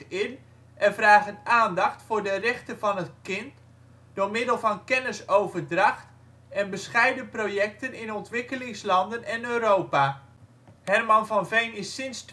in en vragen aandacht voor de rechten van het kind door middel van kennisoverdracht en bescheiden projecten in ontwikkelingslanden en Europa. Herman van Veen is sinds